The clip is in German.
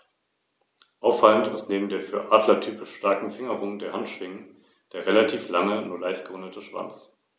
Über das Ansehen dieser Steuerpächter erfährt man etwa in der Bibel.